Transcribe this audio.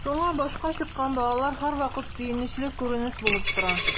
Шуңа “башка чыккан” балалар һәрвакыт сөенечле күренеш булып тора.